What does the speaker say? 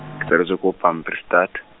ke tsaletswe ko Pampierstad.